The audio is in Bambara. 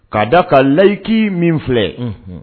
K'a da ka layiki min filɛ